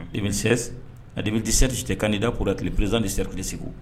2016 à 2017 j'etait candidat pouretre presiden de cercle de segou